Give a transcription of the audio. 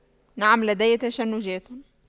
نعم لدي تشنجات